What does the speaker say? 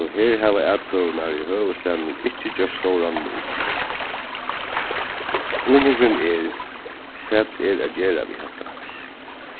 so her hava atkvøðurnar í høvuðsstaðnum ikki gjørt stóran mun spurningurin er hvat er at gera við hetta